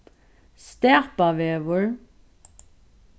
stapavegur